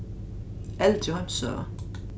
eldri heimssøga